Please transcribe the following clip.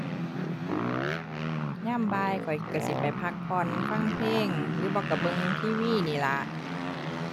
ยามบ่ายข้อยก็สิไปพักผ่อน ฟังเพลง หรือบ่ก็เบิ่ง TV นี่ล่ะ